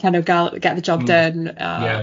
...Kind of gal get the job done a... Ie.